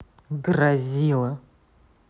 грозило